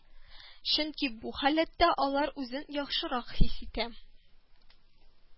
Чөнки бу халәттә алар үзен яхшырак хис итә